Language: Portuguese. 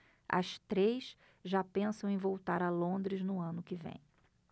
as três já pensam em voltar a londres no ano que vem